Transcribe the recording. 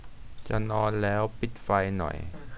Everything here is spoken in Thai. จะนอนแล้วปิดไฟหน่อย